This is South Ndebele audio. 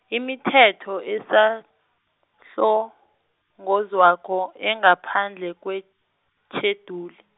imithetho esahlongozwako, engaphandle, kwetjheduli.